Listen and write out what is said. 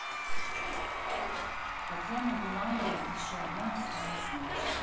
татьяна буланова еще одна осталась ночь